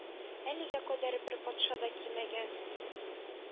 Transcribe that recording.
Әлегә кадәр бер патша да кимәгән,